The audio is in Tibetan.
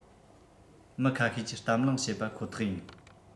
མི ཁ ཤས ཀྱིས གཏམ གླེང བྱེད པ ཁོ ཐག ཡིན